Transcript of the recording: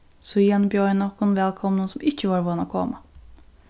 síðan bjóðaði hann okkum vælkomnum sum ikki vóru von at koma